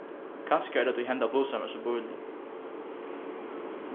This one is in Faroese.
kanska er tað tí hendan blusan var so bílig